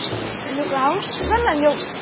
nhục lắm rất là nhục